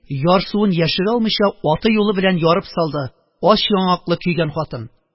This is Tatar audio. Ярсуын яшерә алмыйча, аты-юлы белән ярып салды ач яңаклы көйгән хатын.